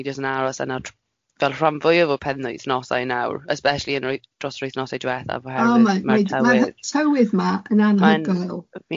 Ni jyst yn aros arna'r tr- fel rhan fwyaf o penwythnosau nawr, especially yn roi dros yr wythnosau diwethaf oherwydd mae'r tywydd...O mae mae'r tywydd ma' yn anhygoel.